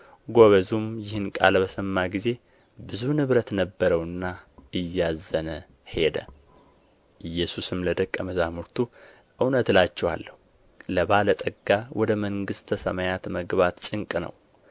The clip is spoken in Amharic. ጐበዙም ይህን ቃል በሰማ ጊዜ ብዙ ንብረት ነበረውና እያዘነ ሄደ ኢየሱስም ለደቀ መዛሙርቱ እውነት እላችኋለሁ ለባለጠጋ ወደ መንግሥተ ሰማያት መግባት ጭንቅ ነው